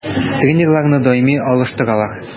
Тренерларны даими алыштыралар.